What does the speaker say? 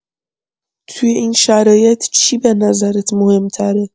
توی این شرایط چی به نظرت مهم‌تره؟